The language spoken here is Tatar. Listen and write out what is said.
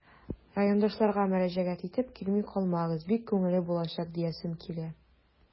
Райондашларга мөрәҗәгать итеп, килми калмагыз, бик күңелле булачак диясем килә.